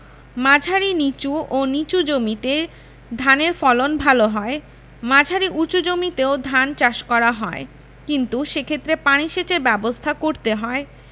মাঝারি নিচু ও নিচু জমিতে ধানের ফলন ভালো হয় মাঝারি উচু জমিতেও ধান চাষ করা হয় কিন্তু সেক্ষেত্রে পানি সেচের ব্যাবস্থা করতে হয়